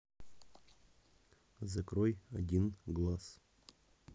закрой один глаз